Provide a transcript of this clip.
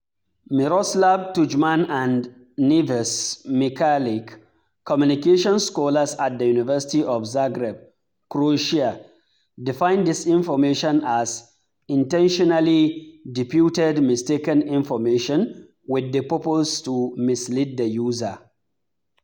Miroslav Tudjman and Nives Mikelic, communication scholars at the University of Zagreb, Croatia, define disinformation as "intentionally deputed mistaken information with the purpose to mislead the user".